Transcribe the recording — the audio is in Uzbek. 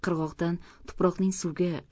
qirg'oqdan tuproqning suvga